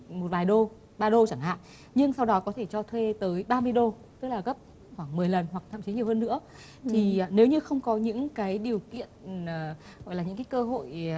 vài đô ba đô chẳng hạn nhưng sau đó có thể cho thuê tới ba mươi đô tức là gấp khoảng mười lần hoặc thậm chí nhiều hơn nữa thì nếu như không có những cái điều kiện à gọi là những cái cơ hội